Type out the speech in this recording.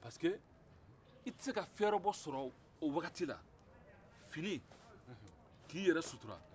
parce que i tɛ se ka fɛrebɔ sɔrɔ o waati la fini k'i yɛrɛ sutura